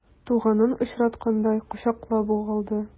Туганын очраткандай кочаклап ук алды.